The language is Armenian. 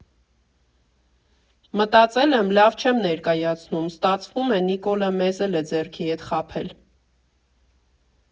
Մտածում եմ՝ լավ չեմ ներկայացնում, ստացվում է՝ Նիկոլը մեզ էլ է ձեռքի հետ խաբել։